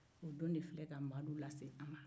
o don de filɛ ka madu lase an man